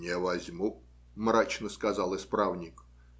- Не возьму, - мрачно сказал исправник.